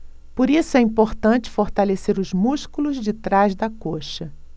por isso é importante fortalecer os músculos de trás da coxa